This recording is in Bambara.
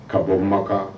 Ka bɔ Makan